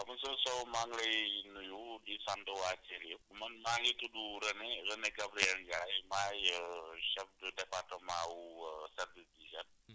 waaw monsieur Sow maa ngi lay nuyu di sant waa Thièl yëpp man maa ngi tudd René René Gabriel Ndiaye maay chef de département wu service d' hygène